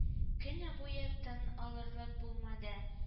Көне буе тын алырлык булмады